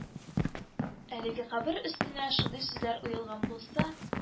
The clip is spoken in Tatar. Әлеге кабер өстенә шундый сүзләр уелган булса